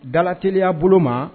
Dalatɛeli yyaa bolo ma